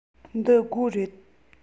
འདི སྒོ རེད